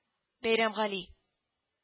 Бәйрәмгали